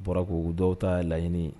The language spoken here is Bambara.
U b bɔra ko dɔw ta laɲini